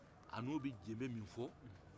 a n'u bɛ jenbe min fɔ